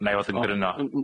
'Na i fod yn gryno.